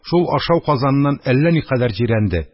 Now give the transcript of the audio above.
Шул ашау казаныннан әллә никадәр җирәнде.